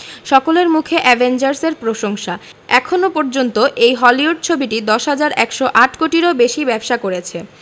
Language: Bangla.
সকলের মুখে অ্যাভেঞ্জার্স এর প্রশংসা এখনও পর্যন্ত এই হলিউড ছবিটি ১০১০৮ কোটিরও বেশি ব্যবসা করেছে